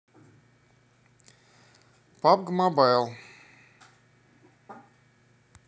пабг мобайл